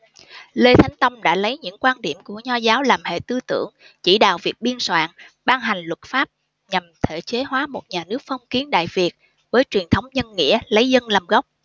lê thánh tông đã lấy những quan điểm của nho giáo làm hệ tư tưởng chỉ đạo việc biên soạn ban hành luật pháp nhằm thể chế hóa một nhà nước phong kiến đại việt với truyền thống nhân nghĩa lấy dân làm gốc